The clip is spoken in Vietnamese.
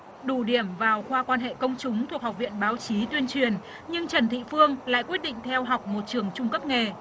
đủ điểm vào khoa quan hệ công chúng thuộc học viện báo chí tuyên truyền nhưng trần thị phương lại quyết định theo học một trường trung cấp nghề